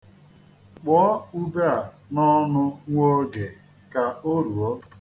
Kpuo ube a n'ọnụ nwa oge ka o ruo.